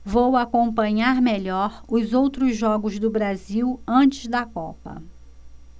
vou acompanhar melhor os outros jogos do brasil antes da copa